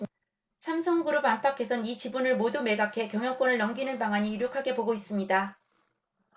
삼성그룹 안팎에선 이 지분을 모두 매각해 경영권을 넘기는 방안이 유력하게 보고 있습니다